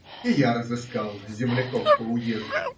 И я разыскал земляков по уезду.